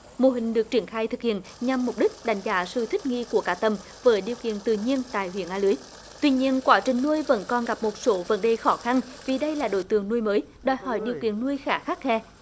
mô hình được triển khai thực hiện nhằm mục đích đánh giá sự thích nghi của cá tầm với điều kiện tự nhiên tại huyện a lưới tuy nhiên quá trình nuôi vẫn còn gặp một số vấn đề khó khăn vì đây là đối tượng nuôi mới đòi hỏi điều kiện nuôi khá khắt khe